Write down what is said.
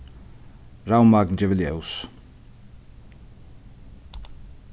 ravmagn gevur ljós